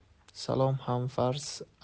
salom ham farz